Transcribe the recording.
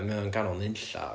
mae o'n ganol nunlla